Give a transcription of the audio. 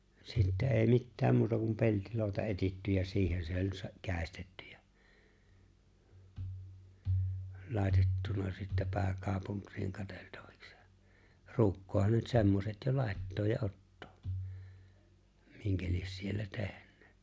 sitten ei mitään muuta kuin peltiloota etsitty ja siihen se oli - käestetty ja laitettuna sitten pääkaupunkiin katseltavaksi ja ruukkuunhan ne nyt semmoiset jo laittaa ja ottaa minkä lie siellä tehnyt